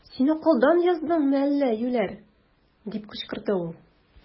Син акылдан яздыңмы әллә, юләр! - дип кычкырды ул.